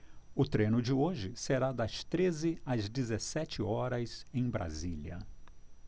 o treino de hoje será das treze às dezessete horas em brasília